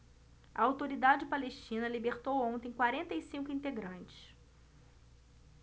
a autoridade palestina libertou ontem quarenta e cinco integrantes